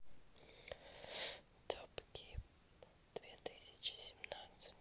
топ гир две тысячи семнадцать